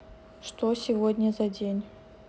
что сегодня за день